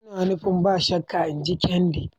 Ina nufin, ba shakka, inji Kennedy.